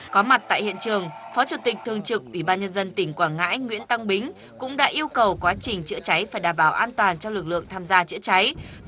có mặt tại hiện trường phó chủ tịch thường trực ủy ban nhân dân tỉnh quảng ngãi nguyễn tăng bính cũng đã yêu cầu quá trình chữa cháy phải đảm bảo an toàn cho lực lượng tham gia chữa cháy dù